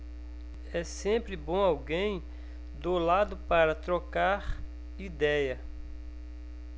é sempre bom alguém do lado para trocar idéia